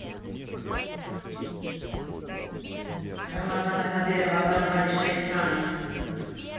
рамазана кадырова обозвали шайтанов